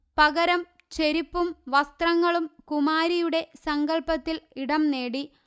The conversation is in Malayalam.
പകരം ചെരിപ്പും വസ്ത്രങ്ങളും കുമാരിയുടെ സങ്കല്പ്പത്തിൽ ഇടം നേടി